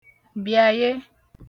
bìàye